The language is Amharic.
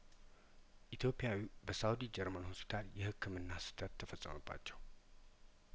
ኢትዮፕያዊው በሳውዲ ጀርመን ሆስፒታል የህክምና ስህተት ተፈጸመባቸው